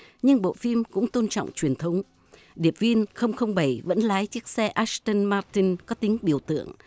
nhưng bộ phim cũng tôn trọng truyền thống điệp viên không không bảy vẫn lái chiếc xe át tôn ma tin có tính biểu tượng